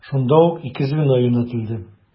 Шунда ук ике звено юнәтелде.